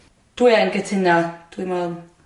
Dwi yn cytuno. Dwi'n me'wl